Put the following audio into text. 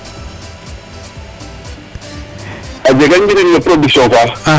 a jega njiriñ no production fa